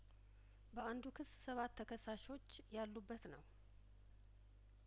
በአንዱክስ ሰባት ተከሳሾች ያሉበት ነው